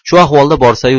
shu ahvolda borsa yu